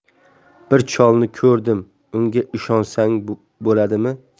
bir cholni ko'rdik unga ishonsang bo'ladimi